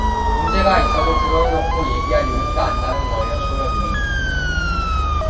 문제가 있어도 드러내놓고 얘기할 용기가 안 나는 거예요 소녀들이